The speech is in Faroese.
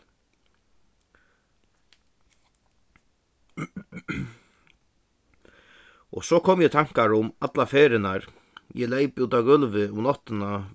og so komi eg í tankar um allar ferðirnar eg leyp út á gólvið um náttina